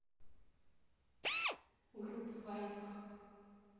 группа вайнах